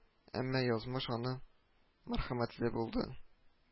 Әмма язмыш аны мәрхәмәтле булды